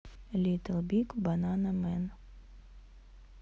литл биг банана мен